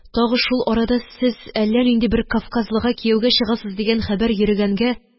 Тагы шул арада сез әллә нинди бер кавказлыга кияүгә чыгасыз дигән хәбәр дә йөрегәнгә